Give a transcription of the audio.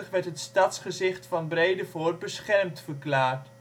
werd het stadsgezicht van Bredevoort beschermd verklaard